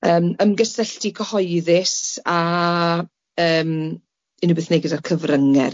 yym ymgysylltu cyhoeddus a yym unrhyw beth i neud gyda'r cyfrynge rili.